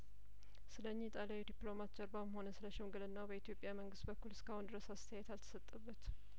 ስለእኚህ ኢጣሊያዊ ዲፕሎማት ጀርባም ሆነ ስለሽምግልናው በኢትዮጵያ መንግስት በኩል እስከአሁን ድረስ አስተያየት አልተሰጠበትም